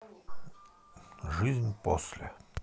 жизнь после